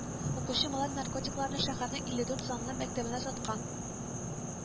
Укучы малай наркотикларны шәһәрнең илле дүрт санлы мәктәбендә саткан